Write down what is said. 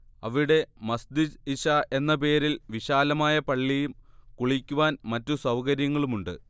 അവിടെ മസ്ജിദ് ഇശ എന്ന പേരിൽ വിശാലമായ പള്ളിയും കുളിക്കുവാൻ മറ്റു സൗ കര്യങ്ങളുമുണ്ട്